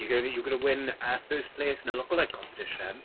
You're gonna nee- you're gonna win uh first place in a look-alike competition.